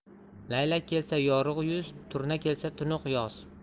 laylak kelsa yorug' yoz turna kelsa tunuq yoz